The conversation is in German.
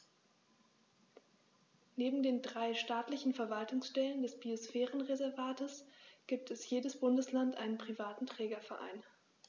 Neben den drei staatlichen Verwaltungsstellen des Biosphärenreservates gibt es für jedes Bundesland einen privaten Trägerverein.